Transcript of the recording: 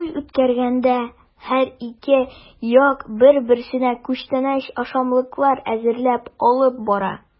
Туй үткәргәндә һәр ике як бер-берсенә күчтәнәч-ашамлыклар әзерләп алып бара.